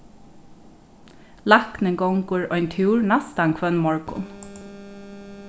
læknin gongur ein túr næstan hvønn morgun